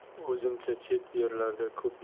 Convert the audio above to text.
o'zimcha chet yerlarda ko'p